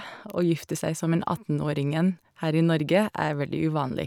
Å gifte seg som en attenåringen her i Norge er veldig uvanlig.